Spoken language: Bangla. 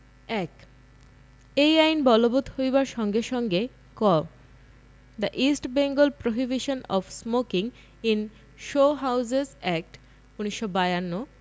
১ এই আইন বলবৎ হইবার সংগে সংগে ক the east Bengal prohibition of smoking in show houses act ১৯৫২